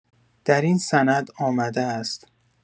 در این سند آمده است